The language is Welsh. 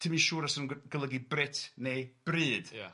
...ti'm yn siŵr os o'n go- golygu bryt neu bryd... Ia.